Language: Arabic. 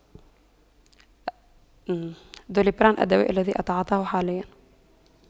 دولبران الدواء الذي أتعاطاه حاليا